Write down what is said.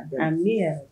Amiina